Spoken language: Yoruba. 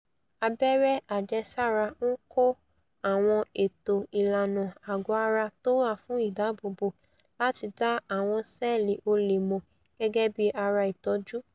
Abẹ́rẹ́ àjẹsára ńkọ́ àwọn ètò ìlànà àgọ́-ara tówà fún ìdáààbòbò láti dá àwọn ṣẹ̵́ẹ̀lì olè mọ̀ gẹ́gẹ́bí ara ìtọ̀jú